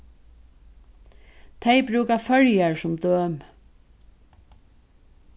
tey brúka føroyar sum dømi